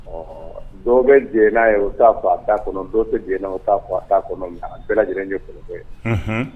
Ɔ dɔw bɛ d n'a ye o t' fɔ a t'a kɔnɔ dɔw tɛ dna o t a t'a kɔnɔ a bɛɛ lajɛlen n ye kolon ye